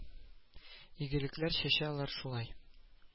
Игелекләр чәчә алар шулай